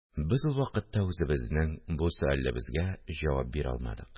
Без ул вакытта үзебезнең бу сөалебезгә җавап бирә алмадык